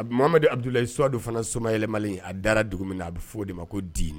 Mamadu abudulayi sowadu fana somaɛlɛma a da dugu min na a bɛ f' o de ma ko di